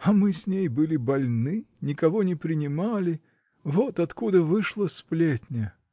а мы с ней были больны, никого не принимали. вот откуда вышла сплетня!